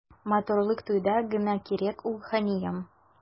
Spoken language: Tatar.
Матурлык туйда гына кирәк ул, ханиям.